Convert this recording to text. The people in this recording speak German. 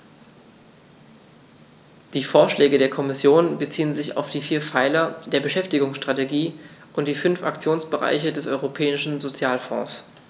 Die Vorschläge der Kommission beziehen sich auf die vier Pfeiler der Beschäftigungsstrategie und die fünf Aktionsbereiche des Europäischen Sozialfonds.